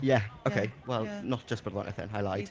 Ie okay. Wel not just barddoniaeth then. I lied.